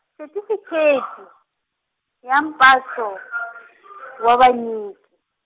setifikheti, ya mpaso, wa vanyiki.